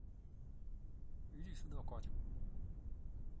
иди сюда кать